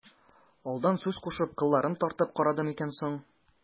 Алдан сүз кушып, кылларын тартып карадымы икән соң...